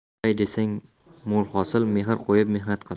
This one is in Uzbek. olay desang mo'l hosil mehr qo'yib mehnat qil